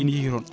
ne yeehi toon